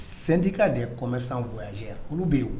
Syndicat des commerçants voyageurs olu bɛ yen